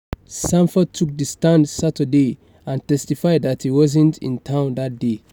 Sanford took the stand Saturday and testified that he wasn't in town that day.